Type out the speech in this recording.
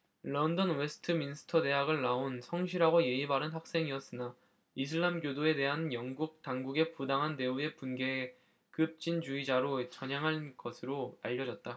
런던 웨스트민스터 대학을 나온 성실하고 예의 바른 학생이었으나 이슬람교도에 대한 영국 당국의 부당한 대우에 분개해 급진주의자로 전향한 것으로 알려졌다